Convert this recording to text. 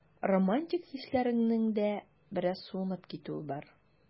Романтик хисләреңнең дә бераз суынып китүе бар.